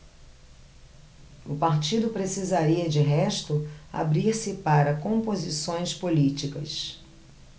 o partido precisaria de resto abrir-se para composições políticas